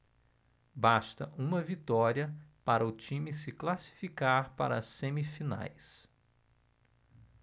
basta uma vitória para o time se classificar para as semifinais